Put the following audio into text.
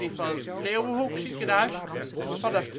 van Leeuwenhoek-Ziekenhuis, vanaf